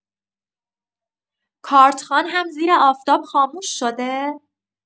کارت‌خوان هم زیر آفتاب خاموش شده؟